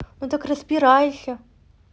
ну так разбирайся